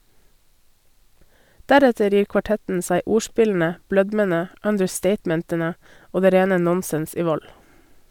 Deretter gir kvartetten seg ordspillene, blødmene, understatementene og det rene nonsens i vold.